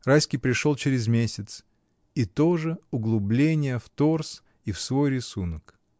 Райский пришел через месяц — и то же углубление в торс и в свой рисунок.